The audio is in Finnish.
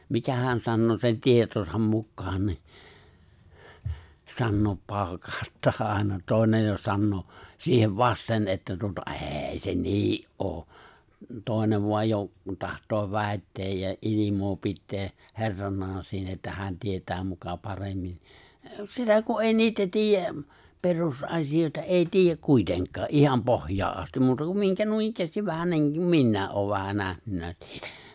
mikähän sanoo sen tietonsa mukaan niin sanoo paukauttaa aina toinen jo sanoo siihen vasten että tuota ei se niin ole toinen vain jo tahtoo väittää ja ilmaa pitää herranaan siinä että hän tietää muka paremmin sitä kun ei niitä tiedä perusasioita ei tiedä kuitenkaan ihan pohjaan asti muuta kuin minkä noinikään vähän niin kuin minäkin olen vähän nähnyt siitä